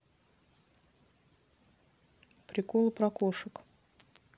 приколы про кошек